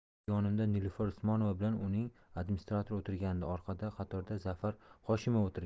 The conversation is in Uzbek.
xo'p yonimda nilufar usmonova bilan uning administratori o'tirgandi orqa qatorda zafar hoshimov o'tirgandi